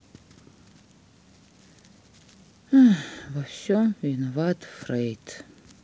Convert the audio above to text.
во всем виноват фрейд